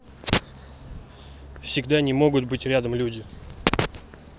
всегда не могут быть рядом люди